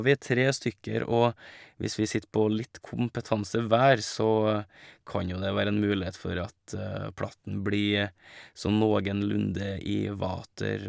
Vi er tre stykker, og hvis vi sitter på litt kompetanse hver, så kan jo det være en mulighet for at platten blir sånn nogenlunde i vater.